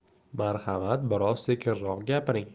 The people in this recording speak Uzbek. marhamat biroz sekinroq gapiring